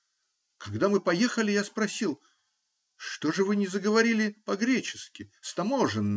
Когда мы поехали, я спросил: -- Что же вы не заговорили по-гречески с таможенными?